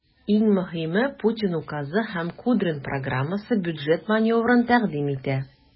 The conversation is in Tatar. Иң мөһиме, Путин указы һәм Кудрин программасы бюджет маневрын тәкъдим итә.